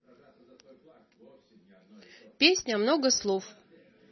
песня много слов